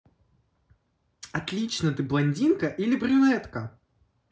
отлично ты блондинка или брюнетка